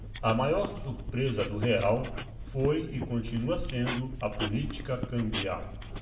a maior surpresa do real foi e continua sendo a política cambial